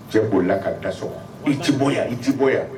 Cɛ'ola ka da so i ci bɔ i ji bɔ